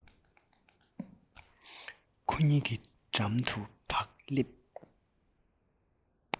ཁོ གཉིས ཀྱི འགྲམ དུ བག ལེབ